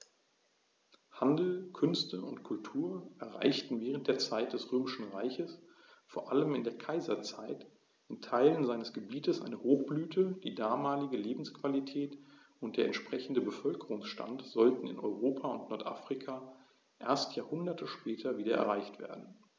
Handel, Künste und Kultur erreichten während der Zeit des Römischen Reiches, vor allem in der Kaiserzeit, in Teilen seines Gebietes eine Hochblüte, die damalige Lebensqualität und der entsprechende Bevölkerungsstand sollten in Europa und Nordafrika erst Jahrhunderte später wieder erreicht werden.